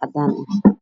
cagaar